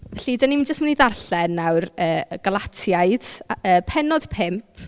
Felly dan ni'n m- jyst mynd i ddarllen nawr yy y Galatiaid a- yy pennod pump.